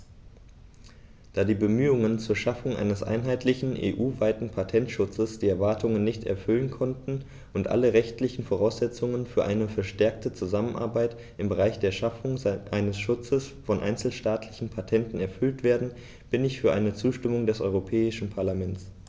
Da die Bemühungen zur Schaffung eines einheitlichen, EU-weiten Patentschutzes die Erwartungen nicht erfüllen konnten und alle rechtlichen Voraussetzungen für eine verstärkte Zusammenarbeit im Bereich der Schaffung eines Schutzes von einzelstaatlichen Patenten erfüllt werden, bin ich für eine Zustimmung des Europäischen Parlaments.